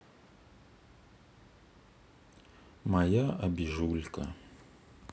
моя обижулька